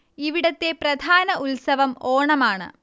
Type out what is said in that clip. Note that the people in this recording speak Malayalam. ഇവിടത്തെ പ്രധാന ഉത്സവം ഓണമാണ്